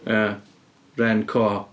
Ia, ren co.